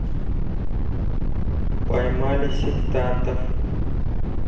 поймали сектантов